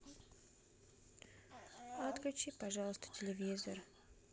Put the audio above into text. отключи пожалуйста телевизор